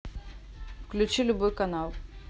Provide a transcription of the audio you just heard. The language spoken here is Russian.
включи любой канал